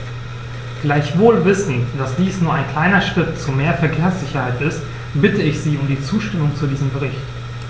Gleichwohl wissend, dass dies nur ein kleiner Schritt zu mehr Verkehrssicherheit ist, bitte ich Sie um die Zustimmung zu diesem Bericht.